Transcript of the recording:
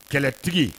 Kɛlɛtigi